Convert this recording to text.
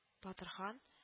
Батырхан